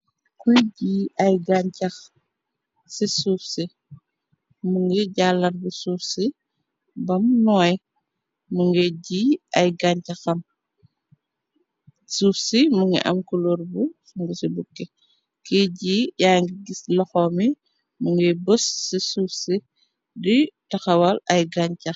Kuy ji ay gaañcax ci suufsi, mu ngi jàllar bu suufsi bam nooy, mu ngiy jiy ay gañcaxam. Suuf si mu ngi am kuloor bu sungu ci bukke. kiij ji yaangi gis loxo mi mu ngiy bës ci suufsi di taxawal ay gaañcax.